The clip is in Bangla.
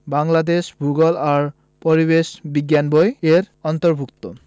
বাংলাদেশ ভূগোল ও পরিবেশ বিজ্ঞান বই এর অন্তর্ভুক্ত